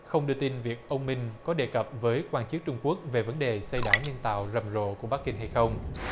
không đưa tin việc ông minh có đề cập với quan chức trung quốc về vấn đề xây đảo nhân tạo rầm rộ của bắc kinh hay không